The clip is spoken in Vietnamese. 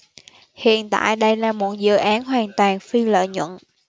hiện tại đây là một dự án hoàn toàn phi lợi nhuận